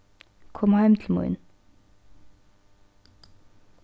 kom heim til mín